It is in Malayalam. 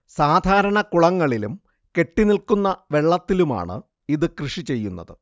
സാധാരണ കുളങ്ങളിലും കെട്ടിനിൽക്കുന്ന വെള്ളത്തിലുമാണിത് കൃഷി ചെയ്യുന്നത്